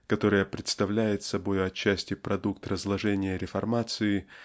которое представляет собою отчасти продукт разложения реформации